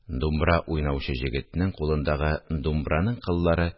Думбра уйнаучы җегетнең кулындагы думбраның кыллары